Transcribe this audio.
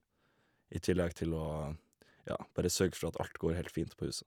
I tillegg til å, ja, bare sørge for at alt går helt fint på huset.